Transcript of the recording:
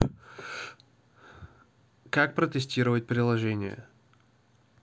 как протестировать приложение